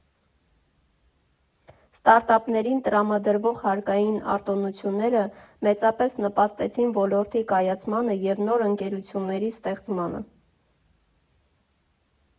«Ստարտափներին տրամադրվող հարկային արտոնությունները մեծապես նպաստեցին ոլորտի կայացմանը և նոր ընկերությունների ստեղծմանը։